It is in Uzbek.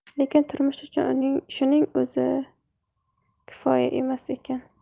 lekin turmush uchun shuning o'zi kifoya emas ekan